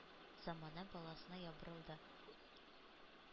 Замана баласына ябырылды: